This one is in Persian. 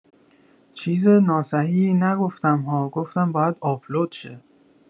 چیز ناصحیحی نگفتم ها گفتم باید آپلود شه